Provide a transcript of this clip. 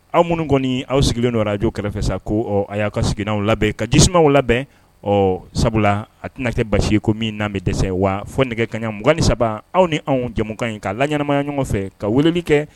Anw minnu kɔni aw sigilen don radio kɛrɛfɛ sa ko ɔ y'a ka siginanw labɛn ka jisumanw labɛn ɔ sabula a tɛna kɛ basi ye ko min na bɛ dɛsɛ wa fo nɛgɛ kanɲɛ 23 aw ni anw jamukan in ka laɲɛnamaya ɲɔgɔn fɛ ka weleli kɛ